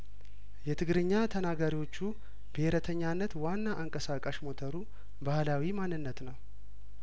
የትግርኛ ተናጋሪዎቹ ብሄርተኛነት ዋና አንቀሳቃሽ ሞተሩ ባህላዊ ማንነት ነው